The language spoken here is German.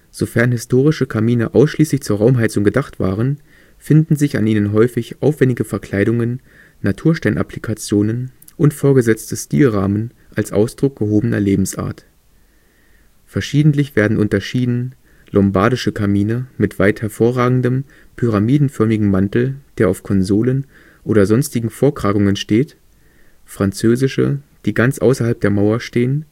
Sofern historische Kamine ausschließlich zur Raumheizung gedacht waren, finden sich an ihnen häufig aufwendige Verkleidungen, Natursteinapplikationen und vorgesetzte Stilrahmen als Ausdruck gehobener Lebensart. Verschiedentlich werden unterschieden: Lombardische Kamine mit weit hervorragendem, pyramidenförmigem Mantel, der auf Konsolen oder sonstigen Vorkragungen steht; französische, die ganz außerhalb der Mauer stehen